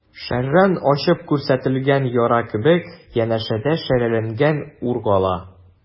Шәрран ачып күрсәтелгән яра кебек, янәшәдә шәрәләнгән ур кала.